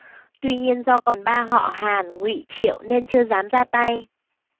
tuy nhiên do còn ba họ hàn ngụy triệu nên chưa dám ra tay